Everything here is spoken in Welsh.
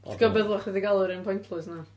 ti gwybod be ddylia chdi 'di galw'r un pointless yna?.